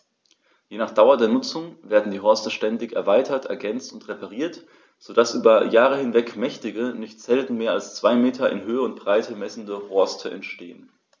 Je nach Dauer der Nutzung werden die Horste ständig erweitert, ergänzt und repariert, so dass über Jahre hinweg mächtige, nicht selten mehr als zwei Meter in Höhe und Breite messende Horste entstehen.